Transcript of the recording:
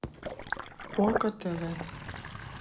око тв